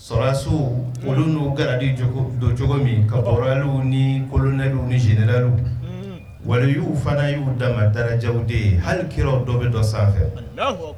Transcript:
Sɔrɔdasiw olu n'u garadi don cogo don cogo min caporals ni colonels ni généraux un, waliyuw fana y'u dama darajaw de ye hali kiraw dɔ bɛ dɔ sanfɛ, Alahu Akibaru